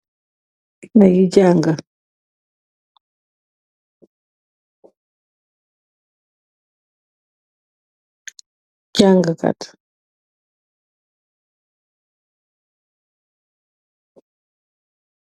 Guneh yi jaanga, jaanga kat